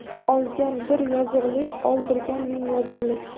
olgan bir yozug'lik oldirgan ming yozug'lik